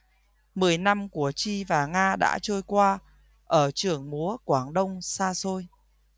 mười năm của chi và nga đã trôi qua ở trường múa quảng đông xa xôi